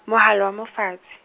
mohala wa mo fatse.